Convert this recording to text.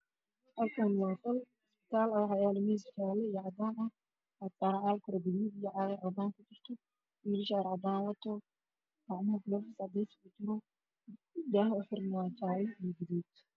Halkaan waa qol isbitaal ah waxaa yaalo miis jaale iyo cadaan ah waxaa saara alkola gaduud ah iyo caag cadaan ah, wiil shaar cadaan wato, daaha uxiran waa jaale iyo gaduud ah.